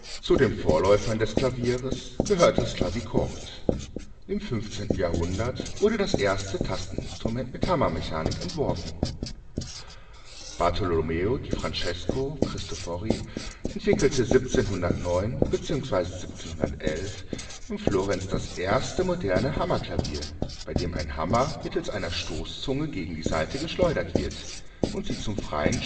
Zu den Vorläufern des Klaviers gehört das Clavichord. Im 15. Jahrhundert wurde das erste Tasteninstrument mit Hammermechanik entworfen. Bartolomeo di Francesco Cristofori entwickelte 1709 bzw. 1711 in Florenz das erste moderne Hammerklavier, bei dem ein Hammer mittels einer Stoßzunge gegen die Saite geschleudert wird und sie zum freien